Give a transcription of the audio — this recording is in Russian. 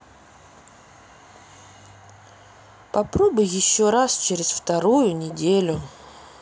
попробуй еще раз через вторую неделю